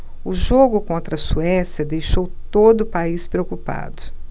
o jogo contra a suécia deixou todo o país preocupado